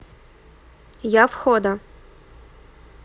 я входа